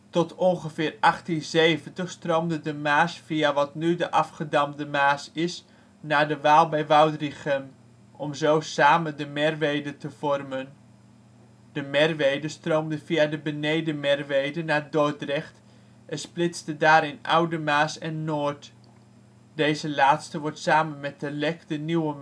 Tot ongeveer 1870 stroomde de Maas via wat nu de Afgedamde Maas is naar de Waal bij Woudrichem, om zo samen de Merwede te vormen. De Merwede stroomde via de Beneden Merwede naar Dordrecht en splitste daar in Oude Maas en Noord, deze laatste wordt later samen met de Lek de Nieuwe Maas